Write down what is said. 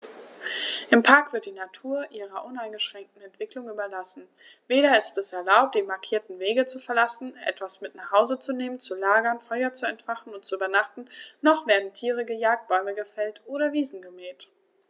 Im Park wird die Natur ihrer uneingeschränkten Entwicklung überlassen; weder ist es erlaubt, die markierten Wege zu verlassen, etwas mit nach Hause zu nehmen, zu lagern, Feuer zu entfachen und zu übernachten, noch werden Tiere gejagt, Bäume gefällt oder Wiesen gemäht.